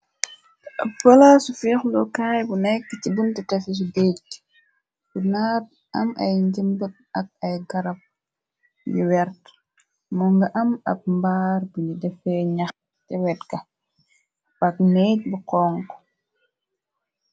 teab wola su fiixlo kaay bu nekk ci bunte tefisu béejg bu naat am ay njëmbag ak ay garab yu wert moo nga am ab mbaar binu defee ñax te wetga bak neej bu xong